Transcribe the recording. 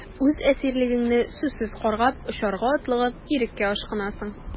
Үз әсирлегеңне сүзсез каргап, очарга атлыгып, иреккә ашкынасың...